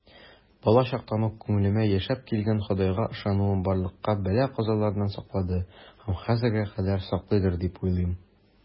Балачактан ук күңелемдә яшәп килгән Ходайга ышануым барлык бәла-казалардан саклады һәм хәзергә кадәр саклыйдыр дип уйлыйм.